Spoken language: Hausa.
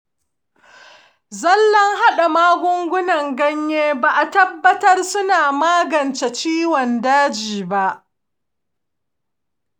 zallan hada magungunan ganye ba'a tabbatar suna magance ciwon daji ba.